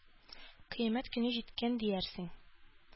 Кыямәт көне җиткән диярсең.